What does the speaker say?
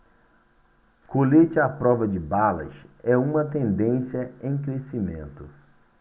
colete à prova de balas é uma tendência em crescimento